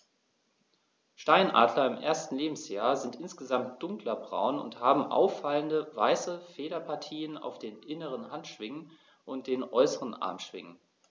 Steinadler im ersten Lebensjahr sind insgesamt dunkler braun und haben auffallende, weiße Federpartien auf den inneren Handschwingen und den äußeren Armschwingen.